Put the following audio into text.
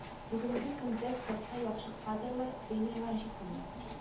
Бүгенге көндә спортка яхшы кадрлар тренерлар җитми